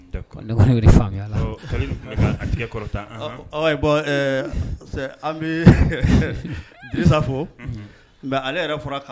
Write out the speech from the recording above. D'accord ne kɔni ye o de famuya ala Kalilu tun bɛ ka a tɛgɛ kɔrɔta bon an bɛ Dirisa fo nka ale yɛrɛ